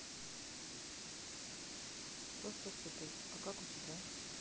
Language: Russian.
просто супер а как у тебя